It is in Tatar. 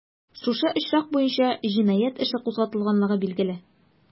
Шушы очрак буенча җинаять эше кузгатылганлыгы билгеле.